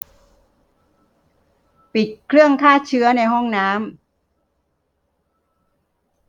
ปิดเครื่องฆ่าเชื้อในห้องน้ำ